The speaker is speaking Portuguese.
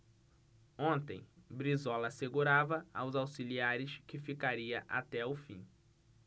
ontem brizola assegurava aos auxiliares que ficaria até o fim